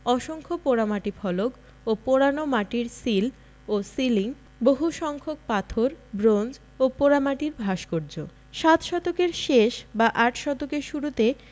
অসংখ্য পোড়ামাটিফলক ও পোড়ানো মাটির সিল ও সিলিং বহু সংখ্যক পাথর ব্রোঞ্জ ও পোড়ামাটির ভাস্কর্য সাত শতকের শেষ বা আট শতকের শুরুতে